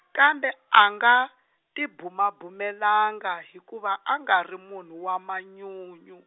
kambe a nga tibumabumelanga, hikuva a nga ri munhu wa manyunyu.